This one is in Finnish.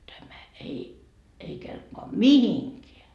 tämä ei ei kelpaa mihinkään